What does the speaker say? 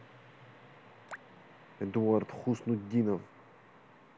эдуард хуснутдинов